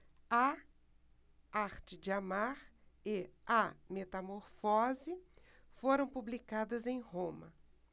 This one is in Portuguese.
a arte de amar e a metamorfose foram publicadas em roma